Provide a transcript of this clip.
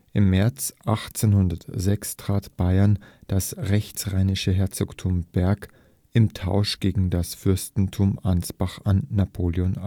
Im März 1806 trat Bayern das rechtsrheinische Herzogtum Berg im Tausch gegen das Fürstentum Ansbach an Napoleon